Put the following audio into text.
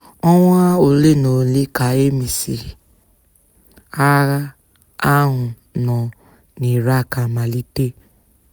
Ọnwa ole na ole ka e mesịrị, Agha Ahụ nọ n'Iraq amalite.